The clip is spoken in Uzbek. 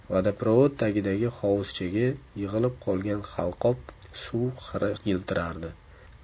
vadaprovod tagidagi hovuzchaga yig'ilib qolgan halqob suv xira yiltirardi